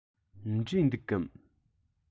འབྲས འདུག གམ